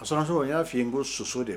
Aso o y'a f'i ko soso de